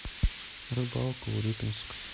рыбалка урюпинск